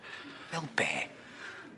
Fel be'?